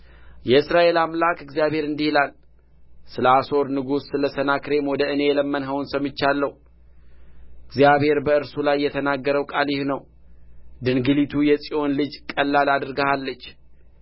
የእስራኤል አምላክ እግዚአብሔር እንዲህ ይላል ስለ አሦር ንጉሥ ስለ ሰናክሬም ወደ እኔ የለመንኽውን ሰምቻለሁ እግዚአብሔር በእርሱ ላይ የተናገረው ቃል ይህ ነው ድንግሊቱ የጽዮን ልጅ ቀላል አድርጋሃለች